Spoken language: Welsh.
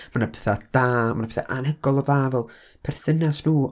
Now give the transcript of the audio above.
Mae 'na pethau da, mae 'na pethau anhygoel o dda fel perthynas nhw...